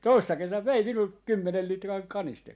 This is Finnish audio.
toissa kesänä vei minulta kymmenen litran kanisterin